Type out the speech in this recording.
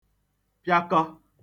pịakọ